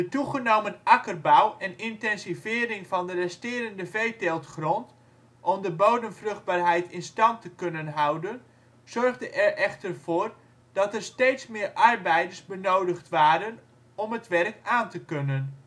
toegenomen akkerbouw en intensivering van de resterende veeteeltgrond om de bodemvruchtbaarheid in stand te kunnen houden zorgden er echter voor dat er steeds meer arbeiders benodigd waren om het werk aan te kunnen